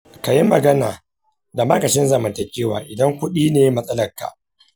ka yi magana da ma’aikacin zamantakewa idan kuɗi ne matsalarka.